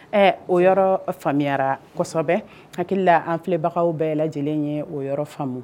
Ɛɛ o yɔrɔ faamuyayarasɔ kosɛbɛ hakili la an filɛbagaw bɛɛ yɛlɛ lajɛlen ye o yɔrɔ faamumu